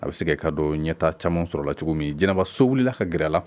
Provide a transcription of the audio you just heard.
A bɛ se k ka don ɲɛta caman sɔrɔ la cogo min jinɛba so wulilala ka g la